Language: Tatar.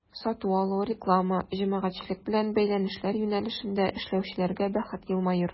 Сату-алу, реклама, җәмәгатьчелек белән бәйләнешләр юнәлешендә эшләүчеләргә бәхет елмаер.